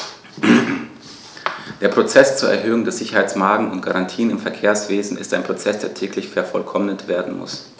Der Prozess zur Erhöhung der Sicherheitsmargen und -garantien im Verkehrswesen ist ein Prozess, der täglich vervollkommnet werden muss.